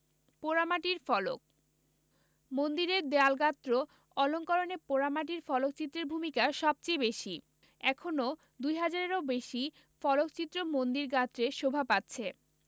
পোড়ামাটির ফলকঃ মন্দিরের দেয়ালগাত্র অলঙ্করণে পোড়ামাটির ফলকচিত্রের ভূমিকা সবচেয়ে বেশি এখনও ২হাজার এরও বেশি ফলকচিত্র মন্দির গাত্রে শোভা পাচ্ছে